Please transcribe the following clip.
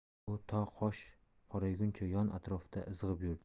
u to qosh qorayguncha yon atrofda izg'ib yurdi